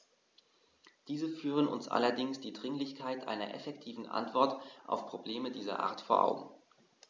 Diese führen uns allerdings die Dringlichkeit einer effektiven Antwort auf Probleme dieser Art vor Augen.